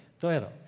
det er det.